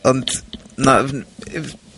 Ond, na fn, yf...